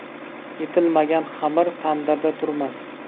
yetilmagan xamir tandirda turmas